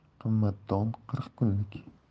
qimmatdon qirq kunlik